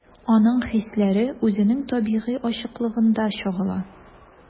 Аның хисләре үзенең табигый ачыклыгында чагыла.